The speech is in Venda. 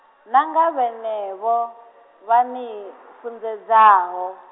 na nga vhenevho, vha ni , funḓedzaho.